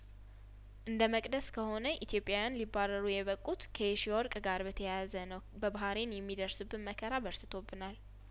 እንደ መቅደስ ከሆነ ኢትዮጵያውያን ሊባረሩ የበቁት ከየሺወርቅ ጋር በተያያዘ ነው በባህሬን የሚደርስብን መከራ በርትቶብናል